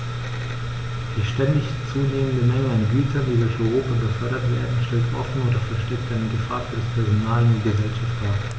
Die ständig zunehmende Menge an Gütern, die durch Europa befördert werden, stellt offen oder versteckt eine Gefahr für das Personal und die Gesellschaft dar.